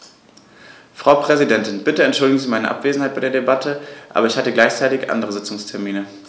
Frau Präsidentin, bitte entschuldigen Sie meine Abwesenheit bei der Debatte, aber ich hatte gleichzeitig andere Sitzungstermine.